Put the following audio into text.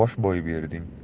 bosh boy berding